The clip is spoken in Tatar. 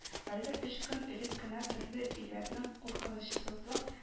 Әле өч көн элек кенә төрле илләрнең куркынычсызлык